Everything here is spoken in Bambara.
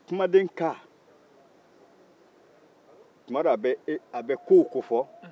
kumaden ka tuma dɔw a bɛ kow kofɔ